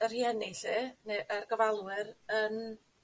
y rhieni lly ne' y gofalwyr yn